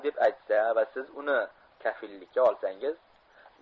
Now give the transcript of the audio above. deb aytsa va siz uni kafillikka olsangiz